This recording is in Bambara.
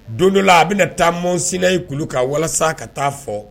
Don dɔla a bɛna taa mɔnsina i kulu ka walasa ka taa fɔ